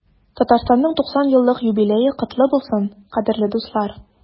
Татарстанның 90 еллык юбилее котлы булсын, кадерле дуслар!